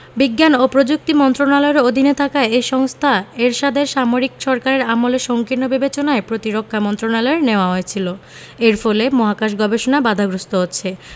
বিজ্ঞান ও প্রযুক্তি মন্ত্রণালয়ের অধীনে থাকা এই সংস্থা এরশাদের সামরিক সরকারের আমলে সংকীর্ণ বিবেচনায় প্রতিরক্ষা মন্ত্রণালয়ে নেওয়া হয়েছিল এর ফলে মহাকাশ গবেষণা বাধাগ্রস্ত হচ্ছে